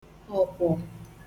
ọ̀kwọ̀